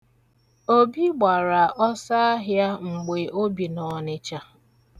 Obi gbara ọsọahịa mgbe ọ bi n' Ọnịcha.